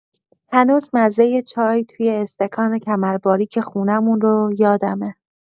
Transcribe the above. هنوز مزۀ چای توی استکان کمرباریک خونه‌مون رو یادمه.